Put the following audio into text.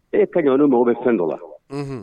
E kaɲa ni mago bɛ fɛn dɔ wa